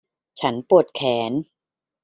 ฉันปวดแขน